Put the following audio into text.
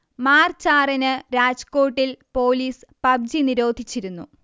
മാർച്ചാറിന് രാജ്കോട്ടിൽ police PUBG നിരോധിച്ചിരുന്നു